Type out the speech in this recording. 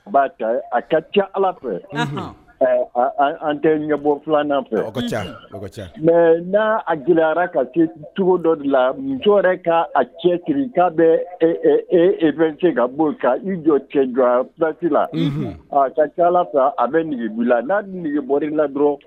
Ba ta a ka ca ala fɛ an tɛ ɲɛbɔ filanan fɛ ca mɛ n'a a gɛlɛyara ka cogo dɔ de la muso yɛrɛ' a cɛtigi k'a bɛ fɛn cɛ ka bɔ i jɔ cɛ jɔ baasi la ka ca ala fila a bɛ nɛgɛgela n'a nɛgɛge bɔ la dɔrɔn